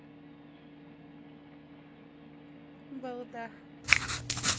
балда